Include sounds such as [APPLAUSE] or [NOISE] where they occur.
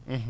[HESITATION] [HESITATION]